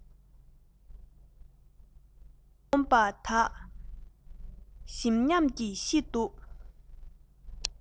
འབུ སྦོམ པ དག ཞིམ ཉམས ཀྱིས ཤི འདུག